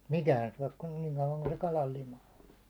sitä mikään syö kun niin kauan kuin se kalan lima on